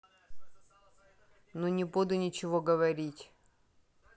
ну не буду ничего говорить